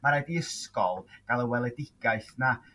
Ma' raid i ysgol ga'l y weledigaeth 'na i